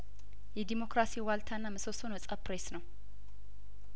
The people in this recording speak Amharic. የዴሞክራሲ ዋልታና ምሰሶ ነጻ ፕሬስ ነው